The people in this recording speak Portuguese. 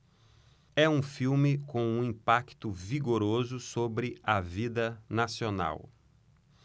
é um filme com um impacto vigoroso sobre a vida nacional